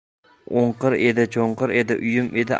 o'nqir edi cho'nqir edi uyim edi